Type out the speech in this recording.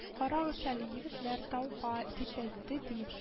— карагыз әле, егетләр, тауга! — дип әйтте, ди